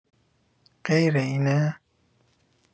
غیر اینه؟